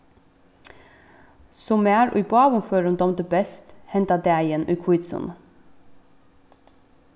sum mær í báðum førum dámdi best henda dag í hvítusunnu